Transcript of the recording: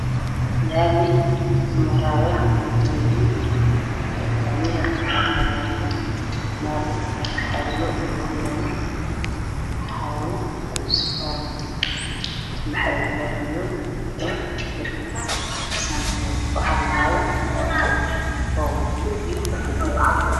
Waa meel laami ah waxaa maraayo bajaj yo